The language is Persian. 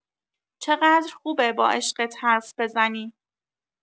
چقدر خوبه با عشقت حرف بزنی!